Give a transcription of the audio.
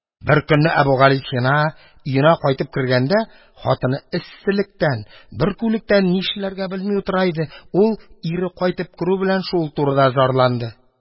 Беркөнне Әбүгалисина өенә кайтып кергәндә, хатыны эсселектән, бөркүлектән нишләргә белми утыра иде, ул, ире кайтып керү белән, шул турыда зарланды.